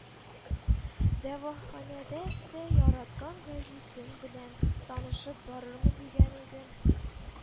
Дәваханәдә дә яраткан гәзитем белән танышып барырмын дигән идем